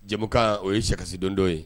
Jabokan o ye sikasidon dɔw ye